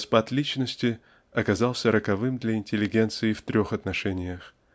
распад личности оказался роковым для интеллигенции в трех отношениях